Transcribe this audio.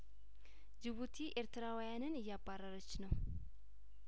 ጅቡቲ ኤርትራውያንን እያባረረች ነው